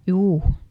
juu